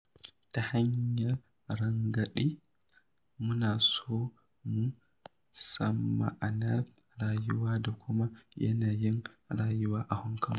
Ta hanyar rangadin, muna so mu san ma'anar rayuwa da kuma yanayin rayuwa a Hong Kong.